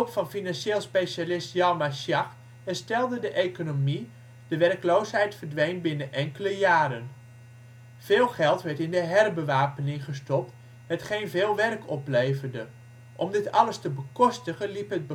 van financieel specialist Hjalmar Schacht herstelde de economie, de werkloosheid verdween binnen enkele jaren. Veel geld werd in de herbewapening gestopt, hetgeen veel werk opleverde. Om dit alles te bekostigen liep het